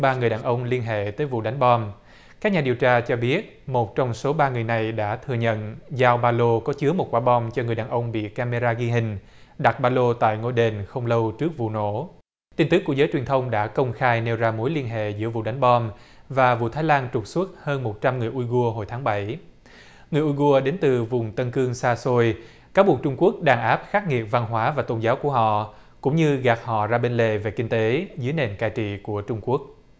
ba người đàn ông liên hệ tới vụ đánh bom các nhà điều tra cho biết một trong số ba người này đã thừa nhận dao ba lô có chứa một quả bom chờ người đàn ông bị cam me ra ghi hình đặt ba lô tại ngôi đền không lâu trước vụ nổ tin tức của giới truyền thông đã công khai nêu ra mối liên hệ giữa vụ đánh bom và vụ thái lan trục xuất hơn một trăm người u guô hồi tháng bảy người u guô đến từ vùng tân cương xa xôi cáo buộc trung quốc đã khắc nghiệt văn hóa và tôn giáo của họ cũng như gạt họ ra bên lề về kinh tế dưới nền cai trị của trung quốc